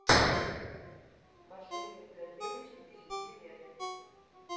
машины для девочек десяти лет